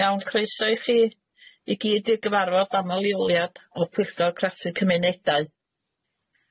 Iawn croeso i chi, i gyd i'r gyfarfod aml leoliad o'r pwyllgor craffu cymunedau.